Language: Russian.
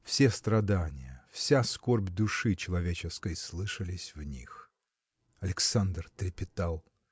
Все страдания, вся скорбь души человеческой слышались в них. Александр трепетал.